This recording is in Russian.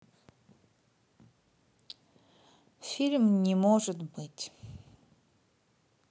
фильм не может быть